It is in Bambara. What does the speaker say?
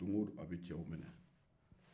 don o don a bɛ cɛw minɛ